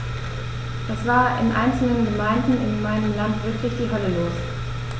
Es war in einzelnen Gemeinden in meinem Land wirklich die Hölle los.